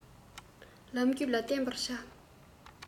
ལམ རྒྱུད ལ བརྟེན པར བྱ